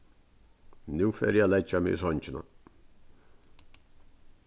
nú fari eg at leggja meg í songina